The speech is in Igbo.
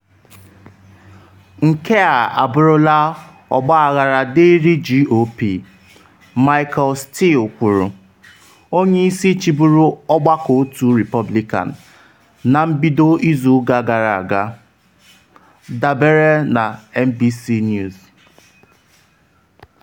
“Nke a abụrụla ọgbaghara dịịrị GOP,” Michael Steele kwuru, onye isi chịburu Ọgbakọ Otu Repọblikan, na mbido izug ara aga, dabere na NBC News.